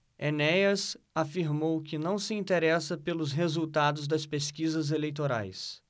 enéas afirmou que não se interessa pelos resultados das pesquisas eleitorais